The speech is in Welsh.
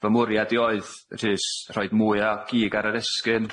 fy mwriad i oedd, Rhys, rhoid mwy o gig ar yr esgyrn